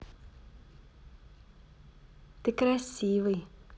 ты красивый